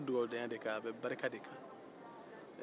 a bɛ barika de kan